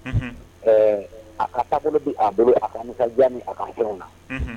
A ka taabolo bɛ'a bolo ami diya a ka fɛnw na